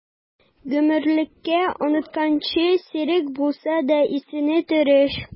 Гомерлеккә онытканчы, сирәк булса да исеңә төшер!